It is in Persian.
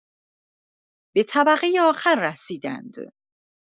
به طبقه آخر رسیدند.